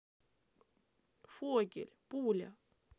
фогель пуля